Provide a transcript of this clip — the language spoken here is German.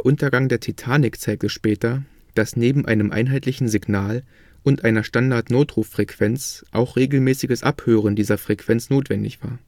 Untergang der Titanic zeigte später, dass neben einem einheitlichen Signal und einer Standard-Notruf-Frequenz auch regelmäßiges Abhören dieser Frequenz notwendig war.